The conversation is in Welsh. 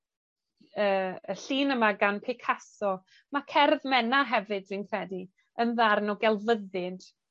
yy y llun yma gan Picasso, ma' cerdd Menna hefyd dwi'n credu yn ddarn o gelfyddyd